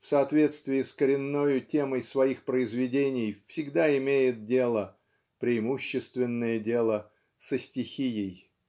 в соответствии с коренною темой своих произведений всегда имеет дело преимущественное дело со стихией.